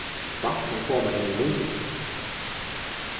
vatn kann koma í lunguni